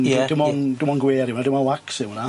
Ie ie. Dim on- dim ond gwêr yw wnna dim ond wax yw wnna.